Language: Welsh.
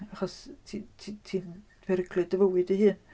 Achos t- t- ti'n peryglu dy fywyd dy hun.